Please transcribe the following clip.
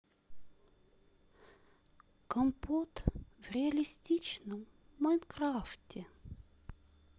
компот в реалистичном майнкрафте